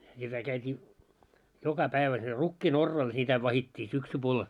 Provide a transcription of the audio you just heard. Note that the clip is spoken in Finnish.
ja - käytiin joka päivä siellä rukkiin oraalla sitä vahdittiin syksypuoli